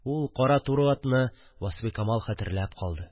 Ул кара туры атны Васфикамал хәтерләп калды